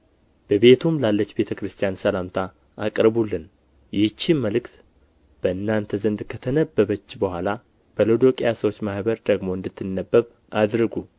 በቤቱም ላለች ቤተ ክርስቲያን ሰላምታ አቅርቡልን ይህችም መልእክት በእናንተ ዘንድ ከተነበበች በኋላ በሎዶቅያ ሰዎች ማኅበር ደግሞ እንድትነበብ አድርጉ